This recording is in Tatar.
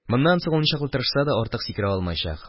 Моннан соң ул, ничаклы тырышса да, артык сикерә алмаячак.